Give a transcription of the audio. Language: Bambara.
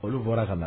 Olu bɔra ka na